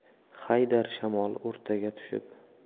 haydar shamol o'rtaga tushib